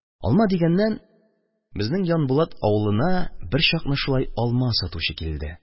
Алма дигәннән, безнең Янбулат авылына берчакны шулай алма сатучы килде